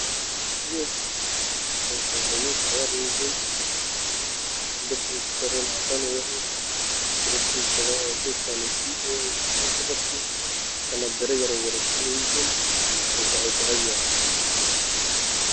Waa geed cagaar oo darbigu ku dhagan